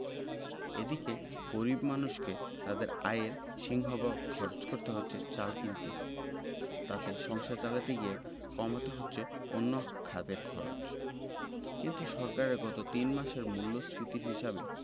এদিকে গরিব মানুষকে তাঁদের আয়ের সিংহভাগ খরচ করতে হচ্ছে চাল কিনতে তাতে সংসার চালাতে গিয়ে কমাতে হচ্ছে অন্য খাতের খরচ কিন্তু সরকারের গত তিন মাসের মূল্যস্ফীতির হিসাবে